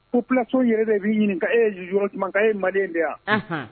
Population yɛrɛ de b'i ɲini e ye yɛrɛjumɛnka ye, e ye maliyɛn de ye wa, unhun